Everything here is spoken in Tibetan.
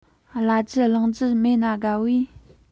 ལབ རྒྱུ གླེང རྒྱུ མེད ན དགའ བས